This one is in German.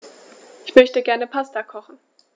Ich möchte gerne Pasta kochen.